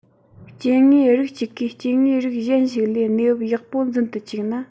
སྐྱེ དངོས རིགས གཅིག གིས སྐྱེ དངོས རིགས གཞན ཞིག ལས གནས བབ ཡག པོ འཛིན དུ བཅུག ན